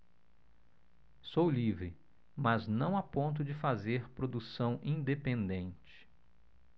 sou livre mas não a ponto de fazer produção independente